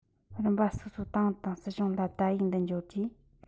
རིམ པ སོ སོའི ཏང ཨུ དང སྲིད གཞུང ལ བརྡ ཡིག འདི འབྱོར རྗེས